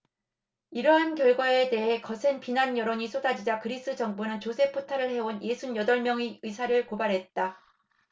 이러한 결과에 대해 거센 비난 여론이 쏟아지자 그리스 정부는 조세 포탈을 해온 예순 여덟 명의 의사를 고발했다